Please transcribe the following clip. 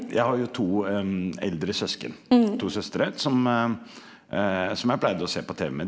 jeg har jo to eldre søsken, to søstre som som jeg pleide å se på tv med.